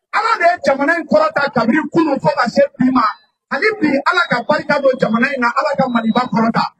Ala de jamana in kɔrɔta kabini kunun fɔ ka se min ma ani ala ka wali jamana in na ala ka mali kɔrɔta